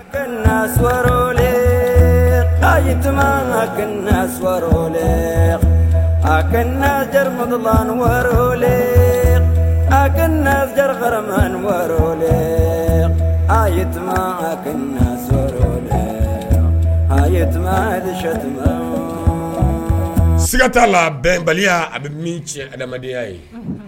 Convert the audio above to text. Kɛnɛ le akumakɛnɛ le akɛnɛla le akɛnɛyarakɔrɔ le a yekumakɛnɛ le a yekuma de shkuma siga ta labɛnbali a bɛ min cɛ adamadenya ye